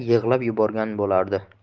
yig'lab yuborgan bo'lardi